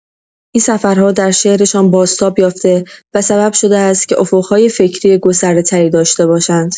این سفرها در شعرشان بازتاب یافته و سبب شده است که افق‌های فکری گسترده‌‌تری داشته باشند.